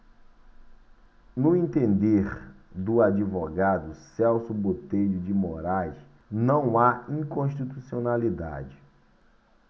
no entender do advogado celso botelho de moraes não há inconstitucionalidade